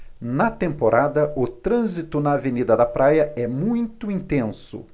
na temporada o trânsito na avenida da praia é muito intenso